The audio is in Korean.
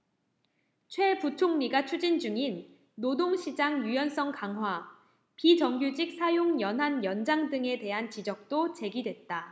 최 부총리가 추진 중인 노동시장 유연성 강화 비정규직 사용연한 연장 등에 대한 지적도 제기됐다